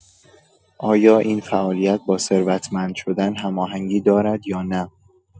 آیا این فعالیت با ثروتمند شدن هماهنگی دارد یا نه؟